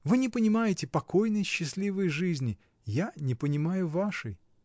Вы не понимаете покойной, счастливой жизни, я не понимаю вашей.